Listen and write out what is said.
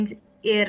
i'r affael